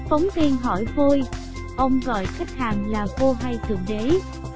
phóng viên ông gọi khách hàng là vua hay thượng đế